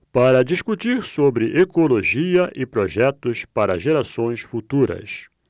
para discutir sobre ecologia e projetos para gerações futuras